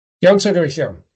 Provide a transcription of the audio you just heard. Iawn te gyfeillion.